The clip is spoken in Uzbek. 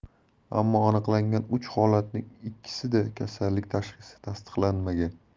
ammo aniqlangan uch holatning ikkisida kasallik tashxisi tasdiqlanmagan